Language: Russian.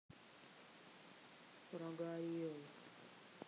прогорел